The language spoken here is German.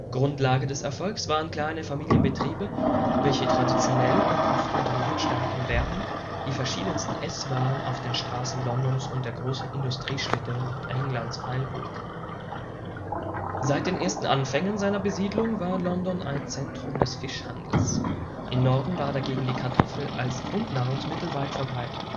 Grundlage des Erfolgs waren kleine Familienbetriebe, welche traditionell und oft unter lautstarkem Werben die verschiedensten Esswaren auf den Straßen Londons und der großen Industriestädte Nordenglands feilboten. Seit den ersten Anfängen seiner Besiedlung war London ein Zentrum des Fischhandels, im Norden war dagegen die Kartoffel als Grundnahrungsmittel weit verbreitet